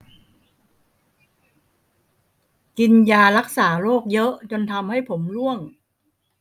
กินยารักษาโรคเยอะจนทำให้ผมร่วง